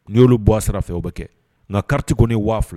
N-i y'olu bɔ a sara fɛ o bɛ kɛ, nka carte kɔni ye 10 000 ye.